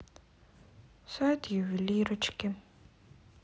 сайт ювелирочки